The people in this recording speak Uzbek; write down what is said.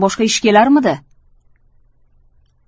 boshqa ish kelarmidi